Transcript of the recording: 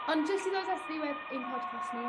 Ond jyst i ddod at ddiwedd ein podcast ni...